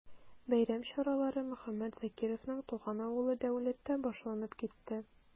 Бәйрәм чаралары Мөхәммәт Закировның туган авылы Дәүләттә башланып китте.